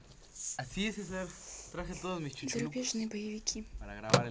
зарубежные боевики